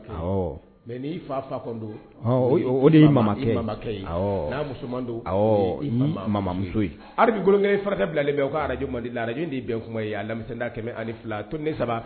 Mɛ n' fa fa o de yekɛ ye nmuso yebiikolonkɛ farijɛ bilalen bɛ o ka arajdi araj bɛn kuma ye ami kɛmɛ ali ne saba